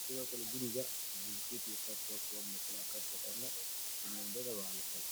guriga lagu dhisaayo